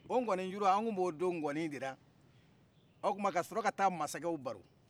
o ŋɔni juru an tun b'o do ŋɔni dela o tuma ka sɔrɔ ka taa masakɛw baro